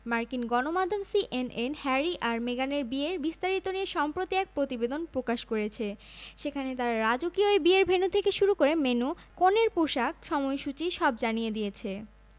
আর লন্ডনের স্থানীয় সময় সকাল নয়টার মধ্যে তাঁদের উপস্থিত হতে হবে বিয়ের মূল অতিথিরা সকাল সাড়ে নয়টা থেকে আসতে শুরু করবেন বেলা ১১টার মধ্যেই আমন্ত্রিত অতিথিদের উপস্থিত হতে হবে